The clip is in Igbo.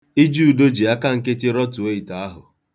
Ijeudo ji aka nkịtị rọtuo ite ahụ.